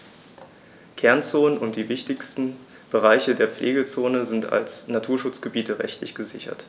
Kernzonen und die wichtigsten Bereiche der Pflegezone sind als Naturschutzgebiete rechtlich gesichert.